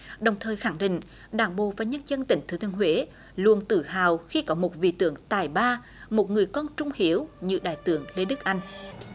đồng thời khẳng định đảng bộ và nhân dân tỉnh thừa thiên huế luôn tự hào khi có một vị tướng tài ba một người con trung hiếu như đại tướng lê đức anh